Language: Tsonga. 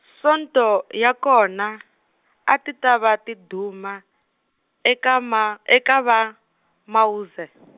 Sonto ya kona , a ti ta va tiduma, eka ma eka va, Mauzer.